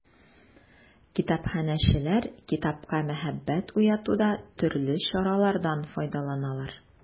Китапханәчеләр китапка мәхәббәт уятуда төрле чаралардан файдаланалар.